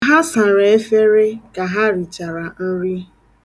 Ha sara efere ka ha richara nri.